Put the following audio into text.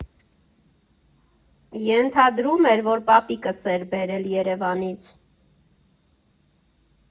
Ենթադրում էր, որ պապիկս էր բերել Երևանից։